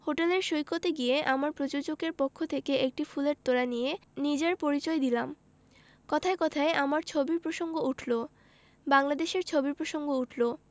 হোটেলের সৈকতে গিয়ে আমার প্রযোজকের পক্ষ থেকে একটি ফুলের তোড়া দিয়ে নিজের পরিচয় দিলাম কথায় কথায় আমার ছবির প্রসঙ্গ উঠলো বাংলাদেশের ছবির প্রসঙ্গ উঠলো